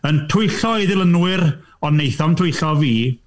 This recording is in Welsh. Yn twyllo ei ddilynwyr, ond wneith o'm twyllo fi.